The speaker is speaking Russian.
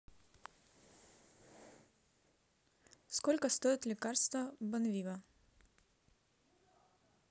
сколько стоит лекарство бонвива